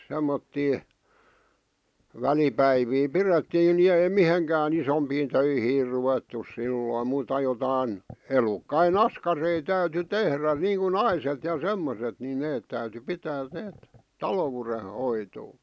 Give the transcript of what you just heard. semmoisia välipäiviä pidettiin niin ei mihinkään isompiin töihin ruvettu silloin muuta jotakin elukoiden askareita täytyi tehdä niin kuin naiset ja semmoiset niin ne täytyi pitää ne taloudenhoitoa